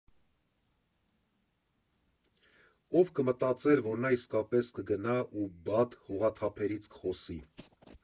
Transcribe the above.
Ո՞վ կմտածեր, որ նա իսկապես կգնա ու բադ֊հողաթափերից կխոսի։